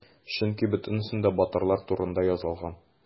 Чөнки бөтенесендә батырлар турында язылган.